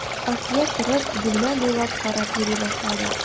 Асия торып, бүлмә буйлап карап йөри башлады.